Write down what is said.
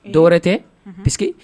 Dɔwɛrɛ tɛ puis que